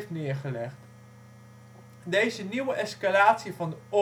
neergelegd. Deze nieuwe escalatie van